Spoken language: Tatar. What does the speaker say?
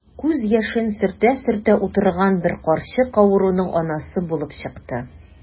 Күз яшен сөртә-сөртә утырган бер карчык авыруның анасы булып чыкты.